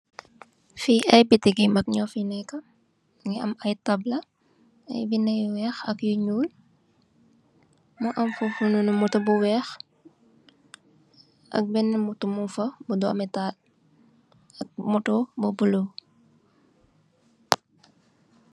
Fi ay bitik yu mag nyo fi neeka, nungi am ay taabla, ay binda yu weeh ak yu ñuul. Mu am fofunoon moto bu weeh ak benn moto mung fa bu doomital, ak moto bu bulo.